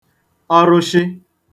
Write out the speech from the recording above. ọrụshị